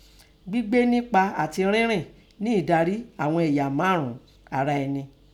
Gbigbe nipa ati rinrin ni idari ìghọn eya maru un ara eni.